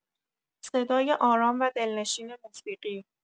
صدای آرام و دلنشین موسیقی